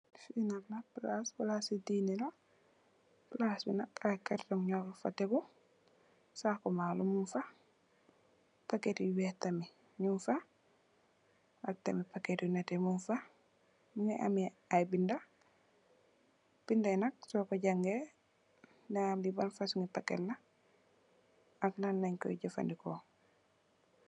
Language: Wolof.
Fee nak plass la plase deene la plass be nak aye cartong nufa tego saku malou nugfa packete weex tamin nugfa ak tamin packete neteh mugfa muge ameh aye beda beda ye nak soku jange daga ham lee ban fosunge packet la ak lanlenkoye jufaneku.